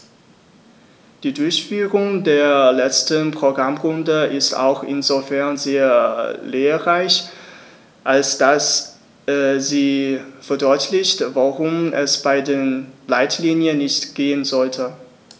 Die Durchführung der letzten Programmrunde ist auch insofern sehr lehrreich, als dass sie verdeutlicht, worum es bei den Leitlinien nicht gehen sollte.